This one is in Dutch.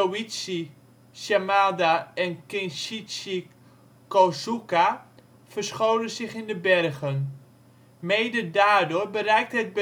Shōichi Shimada en Kinshichi Kozuka, verscholen zich in de bergen. Mede daardoor bereikte